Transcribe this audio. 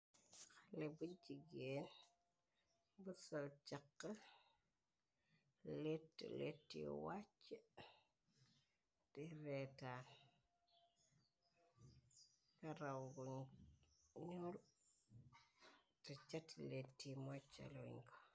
Haleh bu jigeen bu sol chaxe letu leti yu wacc de retan karaw buñ ñuul te caxti leti moccaloñ ku.